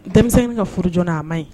Denmisɛnnin ka furujoona a man ɲi